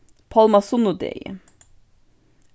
pálmasunnudegi